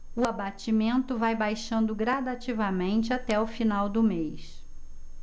o abatimento vai baixando gradativamente até o final do mês